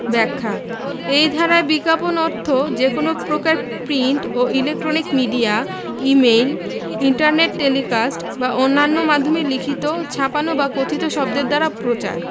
ব্যাখ্যা এই ধারায় বিজ্ঞাপন অর্থ যে কোন প্রকার প্রিন্ট ও electronic media email internet telecast বা অন্যান্য মাধ্যমে লিখিত ছাপানো বা কথিত শব্দের দ্বারা প্রচার